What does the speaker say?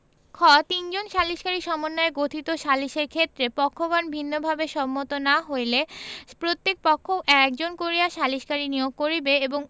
খ তিনজন সালিসকারী সমন্বয়ে গঠিত সালিসের ক্ষেত্রে পক্ষগণ ভিন্নভাবে সম্মত না হইলে প্রত্যেক পক্ষ একজন করিয়া সালিসকারী নিয়োগ করিবে এবং